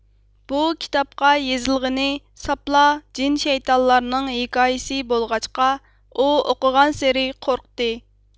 بۇ كىتابقا يېزىلغىنى ساپلا جىن شەيتانلارنىڭ ھېكايىسى بولغاچقا ئۇ ئوقۇغانسېرى قورقتى